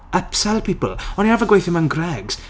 Upsell people. O'n i arfer gweithio mewn Greggs.